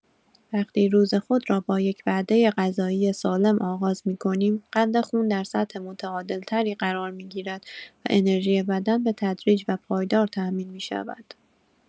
وقتی روز خود را با یک وعده غذایی سالم آغاز می‌کنیم، قند خون در سطح متعادل‌تری قرار می‌گیرد و انرژی بدن به‌تدریج و پایدار تأمین می‌شود.